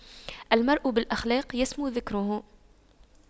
المرء بالأخلاق يسمو ذكره